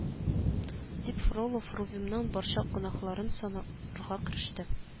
Дип фролов рувимның барча гөнаһларын санарга кереште